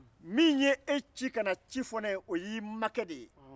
min ye e ci ka na ci fɔ ne ye o y'i makɛ de ye